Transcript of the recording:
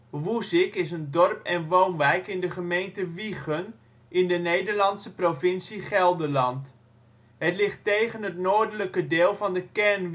Woezik is een dorp en woonwijk in de gemeente Wijchen, in de Nederlandse provincie Gelderland. Het ligt tegen het noordelijke deel van de kern